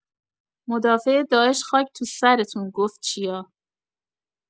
مدافع داعش خاک تو سرتون گفت چیا.